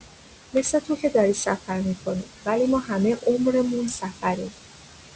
مثل تو که داری سفر می‌کنی، ولی ما همه عمرمون سفریم.